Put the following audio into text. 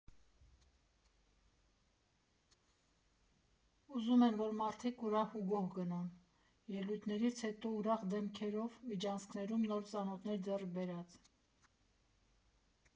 Ուզում են, որ մարդիկ ուրախ ու գոհ գնան՝ ելույթներից հետո՝ ուրախ դեմքերով, միջանցքներում նոր ծանոթներ ձեռք բերած։